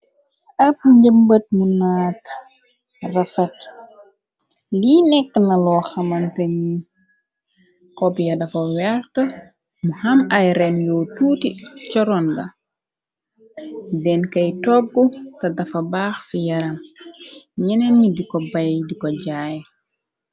Ab njëmbët mu naat rafat lii nekka na loo xamante ñi xobya dafa werta mu ham ay ren yoo tuuti ca ronda deñ kay toggu te dafa baax ci yaram ñenen ñi di ko bay di ko jaay.